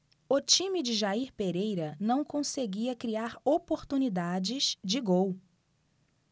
o time de jair pereira não conseguia criar oportunidades de gol